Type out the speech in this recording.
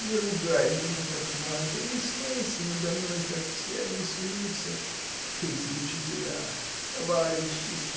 Не ругай меня, как Марк, и не смейся надо мной, как все они смеются. эти учителя, товарищи.